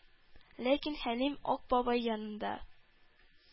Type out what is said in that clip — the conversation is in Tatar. Ләкин Хәлим Ак бабай янында